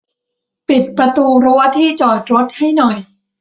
ปิดประตูรั้วที่จอดรถให้หน่อย